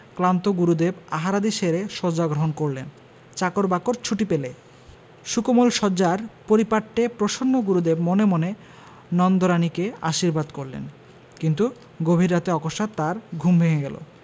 ক্লান্ত গুরুদেব আহারাদি সেরে শয্যা গ্রহণ করলেন চাকর বাকর ছুটি পেলে সুকোমল শয্যার পরিপাট্যে প্রসন্ন গুরুদেব মনে মনে নন্দরানীকে আশীর্বাদ করলেন কিন্তু গভীর রাতে অকস্মাৎ তাঁর ঘুম ভেঙ্গে গেল